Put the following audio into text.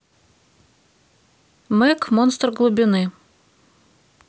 мег монстр глубины